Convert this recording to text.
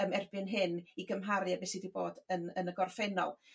yym erbyn hyn i gymharu a be' sy 'di bod yn yn y gorffennol.